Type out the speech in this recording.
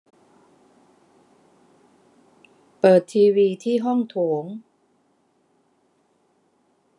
เปิดทีวีที่ห้องโถง